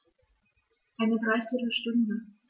Eine dreiviertel Stunde